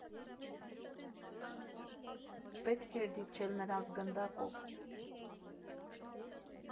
Պետք էր դիպչել նրանց գնդակով։